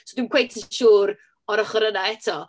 So dwi'm cweit yn siŵr o'r ochr yna eto.